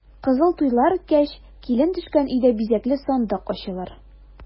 Кызыл туйлар үткәч, килен төшкән өйдә бизәкле сандык ачылыр.